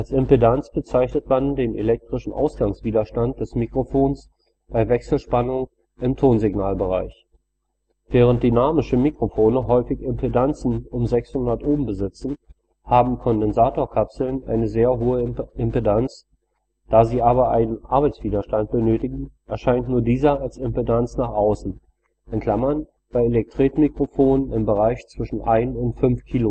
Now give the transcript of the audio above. Impedanz bezeichnet man den elektrischen Ausgangswiderstand des Mikrofons bei Wechselspannung im Tonsignalbereich. Während dynamische Mikrofone häufig Impedanzen um 600 Ω besitzen, haben Kondensator-Kapseln eine sehr hohe Impedanz, da sie aber einen Arbeitswiderstand benötigen, erscheint nur dieser als Impedanz nach außen (bei Elektretmikrofonen im Bereich zwischen 1 und 5 kΩ). Je